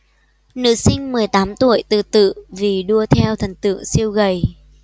nữ sinh mười tám tuổi tự tử vì đua theo thần tượng siêu gầy